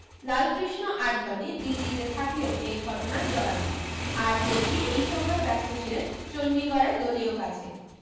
লালকৃষ্ণ আডবাণী দিল্লীতে থাকলেও এ ঘটনায় জড়াননি আর জেটলি এই সময়ে ব্যস্ত ছিলেন চণডীগড়ে দলীয় কাজে